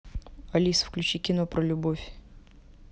алиса включи кино про любовь